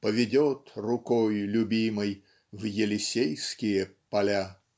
Поведет рукой любимой В Елисейские поля.